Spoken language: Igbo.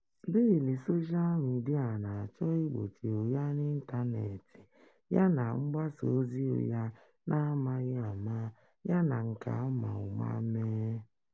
Bịịlụ soshaa midịa na-achọ igbochi ụgha n'ịntaneetị yana mgbasa ozi ụgha n'amaghị ụma yana nke a ma ụma mee.